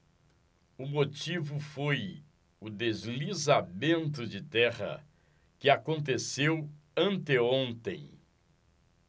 o motivo foi o deslizamento de terra que aconteceu anteontem